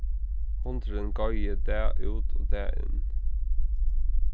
hundurin goyði dag út og dag inn